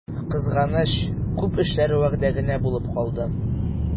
Кызганыч, күп эшләр вәгъдә генә булып калды.